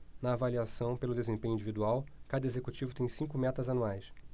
na avaliação pelo desempenho individual cada executivo tem cinco metas anuais